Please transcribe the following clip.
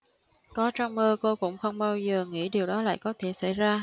có trong mơ cô cũng không bao giờ nghĩ điều đó lại có thể xảy ra